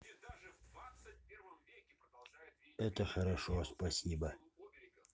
это хорошо спасибо